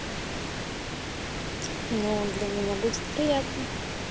ну для меня будет приятно